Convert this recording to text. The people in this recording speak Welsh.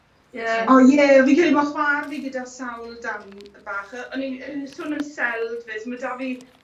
Ie. O ie fi'n credu ma' chwar fi gyda sawl darn bach yy o'n i'n yy sôn am seld 'fyd so ma' 'da fi